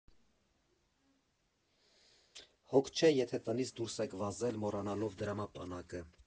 Հոգ չէ, եթե տնից դուրս եք վազել՝ մոռանալով դրամապանակը.